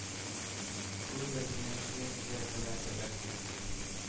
Ул герне йөз егерме мәртәбә күтәрде